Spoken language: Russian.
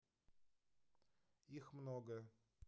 их много